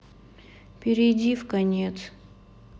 перейди в конец